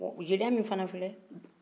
jeliya min fana filɛ